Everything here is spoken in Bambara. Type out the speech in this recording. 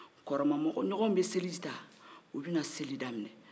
kɔmamɔgɔ-ɲɔgɔw bɛ seliji ta u bɛna seli daminɛ